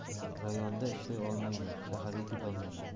rayonda ishlay olmayman shaharga ketolmayman